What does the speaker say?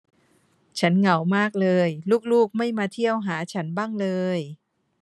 ฉันเหงามากเลยลูกลูกไม่มาเที่ยวหาฉันบ้างเลย